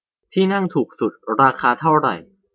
ที่นั่งถูกสุดราคาเท่าไหร่